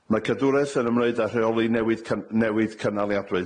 Mae cadwraeth yn ymwneud â rheoli newid cy- newid cynaliadwy.